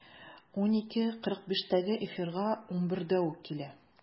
12.45-тәге эфирга 11-дә үк килә.